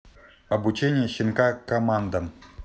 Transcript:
обучение щенка командам